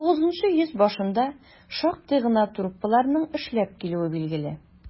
XIX йөз башында шактый гына труппаларның эшләп килүе билгеле.